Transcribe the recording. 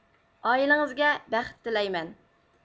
ئائىلىڭىزگە بەخت تىلەيمەن